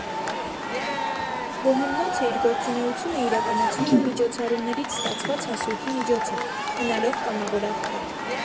Բոհեմնոցը իր գործունեությունը իրականացնում է միջոցառումներից ստացված հասույթի միջոցով՝ մնալով կամավոր աղքատ։